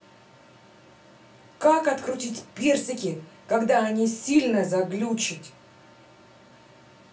как открутить персики когда они сильно заключить